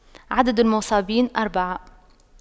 عدد المصابين أربعة